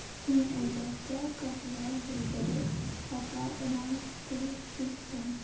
Иң әйбәте, кызурак җилдерик, атлар гына түзсен.